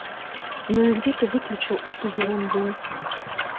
ну и где ты выключил эту ерунду